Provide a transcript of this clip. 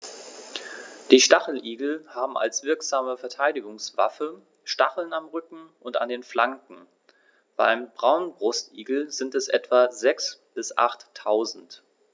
Die Stacheligel haben als wirksame Verteidigungswaffe Stacheln am Rücken und an den Flanken (beim Braunbrustigel sind es etwa sechs- bis achttausend).